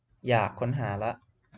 อยากค้นหาละ